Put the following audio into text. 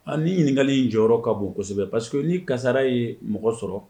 A ni ɲininkaka in jɔyɔrɔ ka bon kosɛbɛ paseke ni kasara ye mɔgɔ sɔrɔ